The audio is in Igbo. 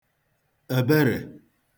èbere